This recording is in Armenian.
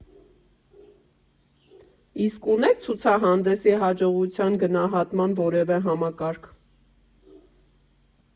Իսկ ունե՞ք ցուցահանդեսի հաջողության գնահատման որևէ համակարգ։